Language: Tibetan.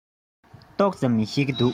ཞེ དྲགས ཤེས ཀྱི མི འདུག